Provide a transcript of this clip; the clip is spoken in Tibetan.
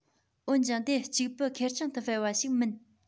འོན ཀྱང དེ གཅིག པུ ཁེར རྐྱང དུ སྤེལ བ ཞིག མིན